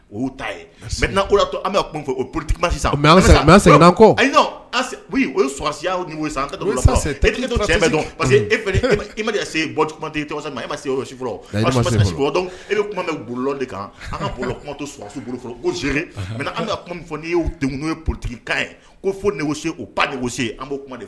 O poro ayi osiya parce que e se e e ma sesi e bɛ kuma bɛ de kan an ka bɔ kuma to ssuuru o mɛ an ka kuma fɔ n'i y'o denw ye porotigikan ye ko fo se ba se an b'o kuma de